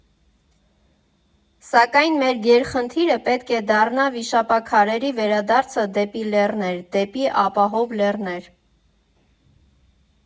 Սակայն մեր գերխնդիրը պետք է դառնա վիշապաքարերի վերադարձը դեպի լեռներ՝ դեպի ապահով լեռներ։